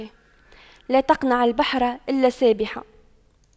لا تقعن البحر إلا سابحا